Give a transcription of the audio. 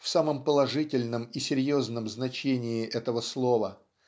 в самом положительном и серьезном значении этого слова.